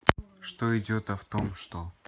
что идет а в том что